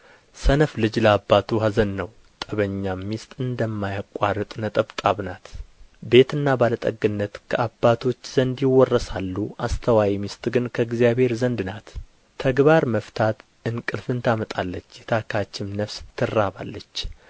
ሰነፍ ልጅ ለአባቱ ኀዘን ነው ጠበኛም ሚስት እንደማያቋርጥ ነጠብጣብ ናት ቤትና ባለጠግነት ከአባቶች ዘንድ ይወረሳሉ አስተዋይ ሚስት ግን ከእግዚአብሔር ዘንድ ናት ተግባር መፍታት እንቅልፍን ታመጣለች የታካችም ነፍስ ትራባለች